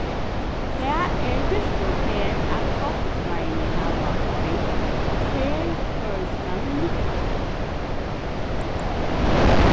tað er fyrstu ferð at kostráðini hava ein serføroyskan vinkul